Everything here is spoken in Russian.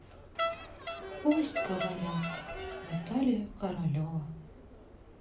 пусть говорят наталья королева